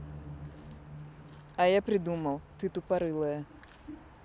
а я придумал ты тупорылая